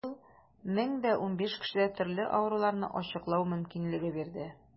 Ул 1015 кешедә төрле авыруларны ачыклау мөмкинлеге бирде.